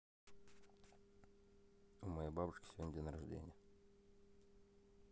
у моей бабушки сегодня день рождения